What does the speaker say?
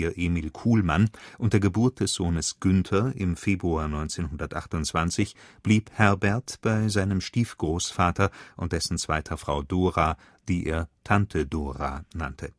Emil Kuhlmann und der Geburt des Sohnes Günther im Februar 1928 blieb Herbert bei seinem Stiefgroßvater und dessen zweiter Frau Dora, die er „ Tante Dora “nannte